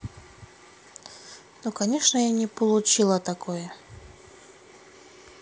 ну конечно я не получила такое